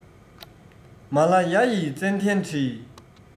མ ལ ཡ ཡི ཙན དན དྲི